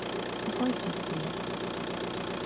Гази килә.